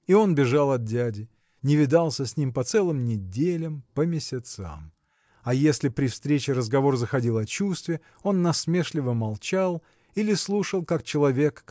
И он бежал от дяди, не видался с ним по целым неделям, по месяцам. А если при встрече разговор заходил о чувстве он насмешливо молчал или слушал как человек